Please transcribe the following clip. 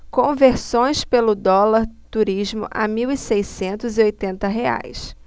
conversões pelo dólar turismo a mil seiscentos e oitenta reais